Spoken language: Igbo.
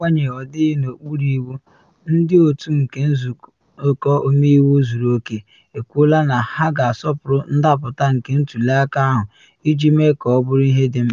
Agbanyeghị ọdịghị n’okpuru iwu, ndị otu nke nzụkọ ọmeiwu zuru oke ekwuola na ha ga-asọpụrụ ndapụta nke ntuli aka ahụ iji mee ka ọ bụrụ ihe dị mkpa.